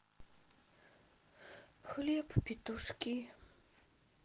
хлеб петушки